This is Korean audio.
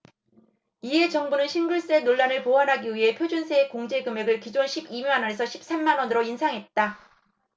이에 정부는 싱글세 논란을 보완하기 위해 표준세액 공제금액을 기존 십 이 만원에서 십 삼 만원으로 인상했다